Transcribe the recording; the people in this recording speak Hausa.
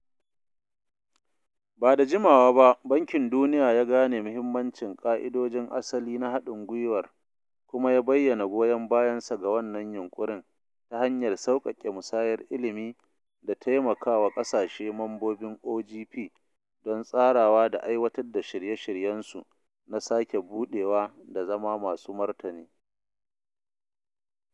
Ba da jimawa ba, Bankin Duniya ya gane muhimmancin ƙa'idojin asali na haɗin gwiwar kuma ya bayyana goyon bayansa ga wannan yunƙurin "ta hanyar sauƙaƙe musayar ilimi da taimaka wa ƙasashe mambobin OGP don tsarawa da aiwatar da shirye-shiryensu na sake buɗewa da zama masu martani."